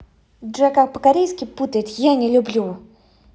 джой как по корейски путает я не люблю